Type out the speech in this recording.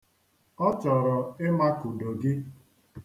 Ọ chọrọ ịmakudo gị.